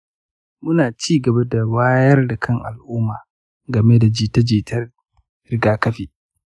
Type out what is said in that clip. muna ci gaba da wayar da kan al'umma game da jita-jitar rigakafi.